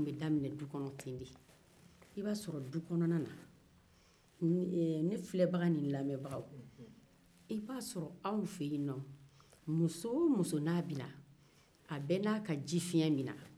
i b'a sɔrɔ dukɔnɔna na ne filɛbaga ni ne lamɛnbagaw unhun i b'a sɔrɔ anw fɛ yen nɔ muso o muso n'a bɛ na a bɛɛ ni a ka fiɲɛ bɛ na